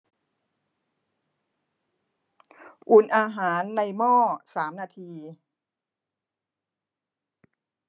อุ่นอาหารในหม้อสามนาที